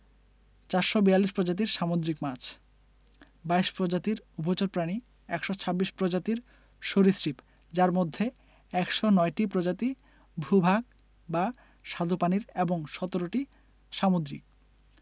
৪৪২ প্রজাতির সামুদ্রিক মাছ ২২ প্রজাতির উভচর প্রাণী ১২৬ প্রজাতির সরীসৃপ যার মধ্যে ১০৯টি প্রজাতি ভূ ভাগ বা স্বাদুপানির এবং ১৭টি সামুদ্রিক